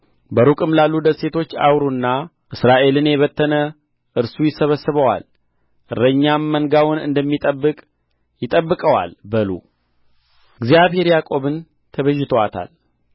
በሩቅም ላሉ ደሴቶች አውሩና እስራኤልን የበተነ እርሱ ይሰበስበዋል እረኛም መንጋውን እንደሚጠብቅ ይጠብቀዋል በሉ እግዚአብሔር ያዕቆብን ተቤዥቶታል